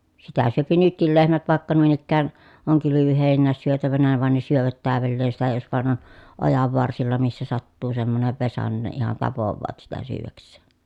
sitä syö nytkin lehmät vaikka noin ikään on kylvöheinää syötävänä vaan ne syövät täydelleen sitä jos vain on ojanvarsilla missä sattuu semmoinen vesa niin ne ihan tapaavat sitä syödäkseen